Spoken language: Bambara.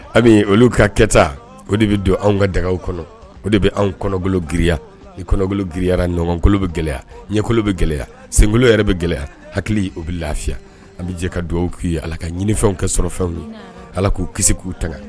Kabini olu ka kɛ o de bɛ don anw ka daga kɔnɔ o de bɛ anw kɔnɔbolo gi i kɔnɔbolo giyayara ɲɔgɔnkolo bɛ gɛlɛya ɲɛkolo bɛ gɛlɛya senkolo yɛrɛ bɛ gɛlɛya hakili o bɛ lafiya an bɛ jɛ ka dugawu k'i ala ka ɲiniw kɛ sɔrɔ fɛn ye hali k'u kisi k'u tan